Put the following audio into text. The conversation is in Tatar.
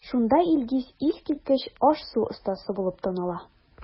Шунда Илгиз искиткеч аш-су остасы булып таныла.